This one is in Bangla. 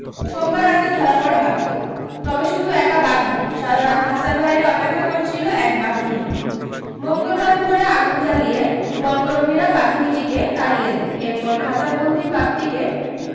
সোমবার রাতে ধরা পড়ে বাঘটি তবে শুধু একা বাঘ নয় সারা রাত খাঁচার বাইরে অপেক্ষা করছিল একটি বাঘিনীও মঙ্গলবার ভোরে আগুন জ্বলিয়ে বনকর্মীরা বাঘিনীটিকে তাড়িয়ে দেন এরপর খাঁচা বন্দি বাঘটিকে